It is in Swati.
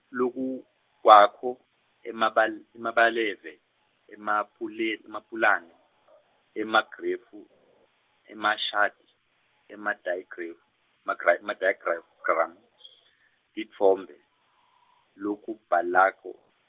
lokukwakho-, emabal- emabalave, emapula- emapulani , emagrafu, emashadi, emadayagram-, magrai- madiagram- -gram, titfombe, lokubhalako.